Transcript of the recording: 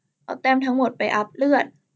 เอาแต้มทั้งหมดไปอัพเลือด